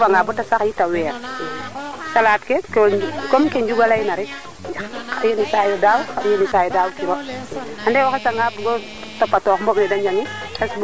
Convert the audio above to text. im ga koy ka jaxla ndaxama kam fe apres xam laam tin kam question ke avant tout dabord kam coox kan o fogole te sim nir fa den a leya den ten ref an a presenter oox d' abord avant i ndoka no question ke njoko yong o tewo paax